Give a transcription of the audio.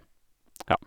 Ja.